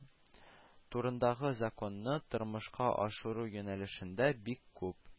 Турындагы закон»ны тормышка ашыру юнәлешендә бик күп